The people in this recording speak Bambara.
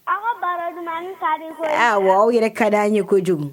Aw wa aw yɛrɛ ka di an ye kojugu